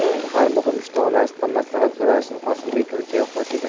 bobur har muhim ishda onasidan maslahat so'rashi qosimbekka uncha yoqmas edi